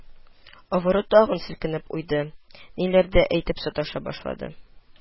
Авыру тагы селкенеп уйды, ниләрдер әйтеп саташа башлады